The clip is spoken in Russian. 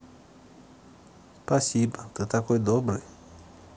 спасибо ты такой добрый